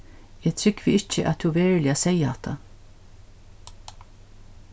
eg trúgvi ikki at tú veruliga segði hatta